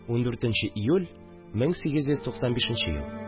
14 нче июль, 1895 ел